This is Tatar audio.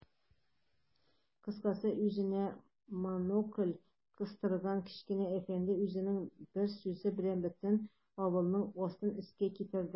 Кыскасы, күзенә монокль кыстырган кечкенә әфәнде үзенең бер сүзе белән бөтен авылның астын-өскә китерде.